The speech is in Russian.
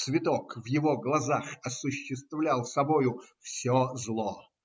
Цветок в его глазах осуществлял собою все зло